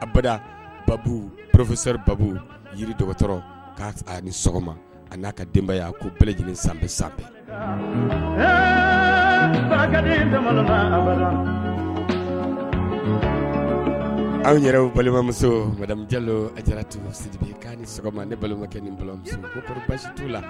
Ba ba porosɛri ba yiri dɔgɔtɔrɔ k'a ni sɔgɔma a n'a ka denbaya' ko bɛɛlɛj san san anw yɛrɛ balimamusojalo a diyara tun sibi'a ni sɔgɔma ne balimakɛ ni balima basi t la